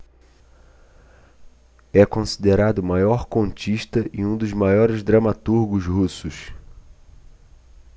é considerado o maior contista e um dos maiores dramaturgos russos